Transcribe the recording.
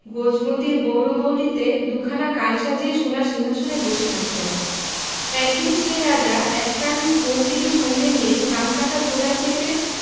গজমোতির বীরবৌলিতে দুখানা কান সাজিয়ে সোনার রাজসিংহাসনে বসে থাকতেন একদিন সেই রাজা এক কান মন্ত্রীকে সঙ্গে নিয়ে কানকাটা ঘোড়ায় চেপে